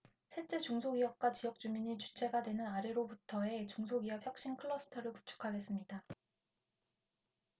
셋째 중소기업과 지역주민이 주체가 되는 아래로부터의 중소기업 혁신 클러스터를 구축하겠습니다